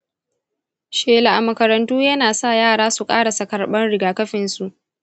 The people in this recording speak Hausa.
shela a makarantu yana sa yara su ƙarasa karɓar rigakafin su.